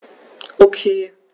Okay.